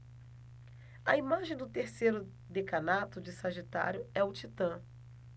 a imagem do terceiro decanato de sagitário é o titã